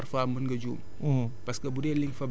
de là parfois mun nga juum